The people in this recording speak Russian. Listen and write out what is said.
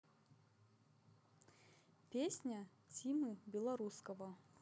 песня тимы белорусского